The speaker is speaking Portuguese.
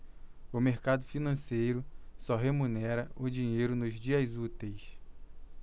o mercado financeiro só remunera o dinheiro nos dias úteis